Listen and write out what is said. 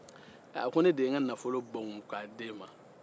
a ko ne de ye n ka nafolo bɔ k'a d'e ma